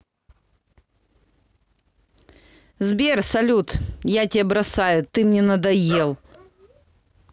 сбер салют я тебя бросаю ты мне надоел